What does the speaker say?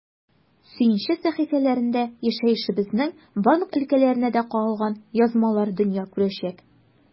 “сөенче” сәхифәләрендә яшәешебезнең барлык өлкәләренә дә кагылган язмалар дөнья күрәчәк.